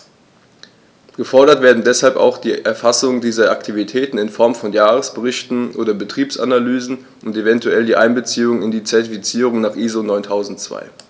Gefordert werden deshalb auch die Erfassung dieser Aktivitäten in Form von Jahresberichten oder Betriebsanalysen und eventuell die Einbeziehung in die Zertifizierung nach ISO 9002.